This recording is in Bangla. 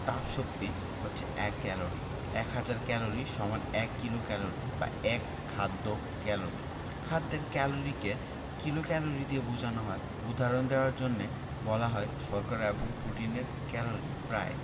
তাপশক্তি হচ্ছে এক ক্যালরি এক হাজার ক্যালরি সমান এক কিলোক্যালরি বা এক খাদ্য ক্যালরি খাদ্যের ক্যালরিকে কিলোক্যালরি দিয়ে বোঝানো হয় উদাহরণ দেয়ার জন্যে বলা যায় শর্করা এবং প্রোটিনের ক্যালরি প্রায়